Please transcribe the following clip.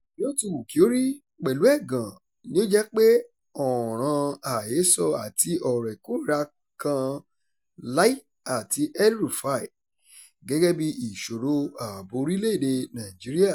Bí ó ti wù kí ó rí, pẹ̀lú ẹ̀gàn ni ó jẹ́ pé ọ̀ràn-an àhesọ àti ọ̀rọ̀ ìkórìíra kan Lai àti El-Rufai gẹ́gẹ́ bíi ìṣòro ààbò orílẹ̀-èdè Nàìjíríà.